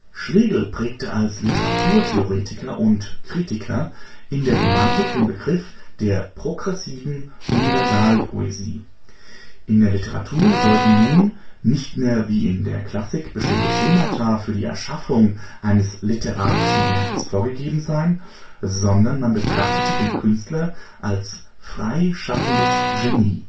Schlegel prägte als Literaturtheoretiker und - kritiker in der Romantik den Begriff der progressiven Universalpoesie. In der Literatur sollten nun nicht mehr wie in der Klassik bestimmte Schemata für die Erschaffung eines literarischen Werkes vorgegeben sein, sondern man betrachtete den Künstler als frei schaffendes Genie